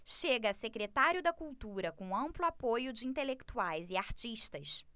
chega a secretário da cultura com amplo apoio de intelectuais e artistas